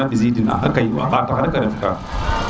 xana mbisi din axa kay a ɓatax reka ref ka